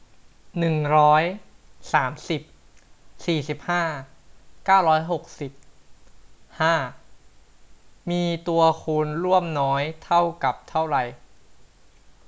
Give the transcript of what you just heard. หนึ่งร้อยสามสิบสี่สิบห้าเก้าร้อยหกสิบห้ามีตัวคูณร่วมน้อยเท่ากับเท่าไหร่